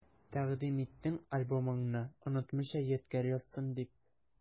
Тәкъдим иттең альбомыңны, онытмыйча ядкарь язсын дип.